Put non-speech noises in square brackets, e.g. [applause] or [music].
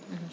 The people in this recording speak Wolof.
[hesitation] [hesitation]